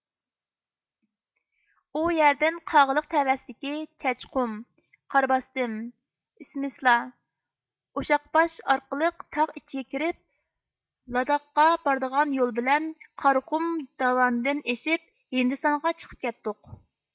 ئۇ يەردىن قاغىلىق تەۋەسىدىكى چەچ قۇم قار باستىم ئىسمىسالا ئۇششاقباش ئارقىلىق تاغ ئىچىگە كىرىپ لاداققا بارىدىغان يول بىلەن قارا قۇرۇم داۋىنىدىن ئېشىپ ھىندىستانغا چىقىپ كەتتۇق